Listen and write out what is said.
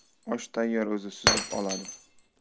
osh tayyor o'zi suzib oladi